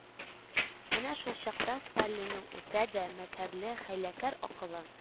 Менә шул чакта Сталинның үтә дә мәкерле, хәйләкәр акылы